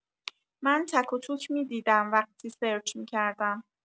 من تک و توک می‌دیدم وقتی سرچ می‌کردم.